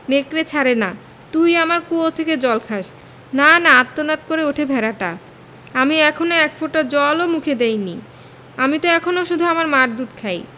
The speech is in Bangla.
নেকড়ে ছাড়ে না তুই আমার কুয়ো থেকে জল খাস না না আর্তনাদ করে ওঠে ভেড়াটা আমি এখনো এক ফোঁটা জল ও মুখে দিইনি আমি ত এখনো শুধু আমার মার দুধ খাই